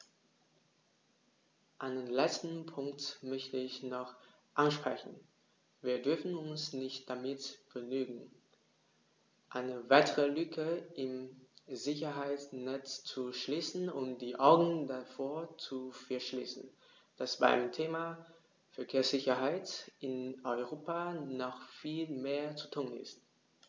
Einen letzten Punkt möchte ich noch ansprechen: Wir dürfen uns nicht damit begnügen, eine weitere Lücke im Sicherheitsnetz zu schließen und die Augen davor zu verschließen, dass beim Thema Verkehrssicherheit in Europa noch viel mehr zu tun ist.